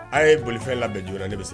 A' ye bolifɛn labɛn joona ne be se